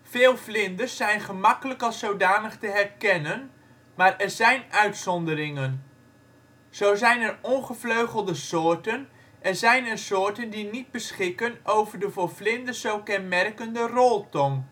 Veel vlinders zijn gemakkelijk als zodanig te herkennen maar er zijn uitzonderingen. Zo zijn er ongevleugelde soorten en zijn er soorten die niet beschikken over de voor vlinders zo kenmerkende roltong